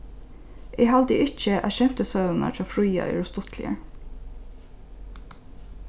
eg haldi ikki at skemtisøgurnar hjá fríða eru stuttligar